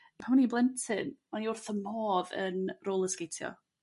Pan o'n i'n blentyn o'n i wrth ym modd yn rolersgatio.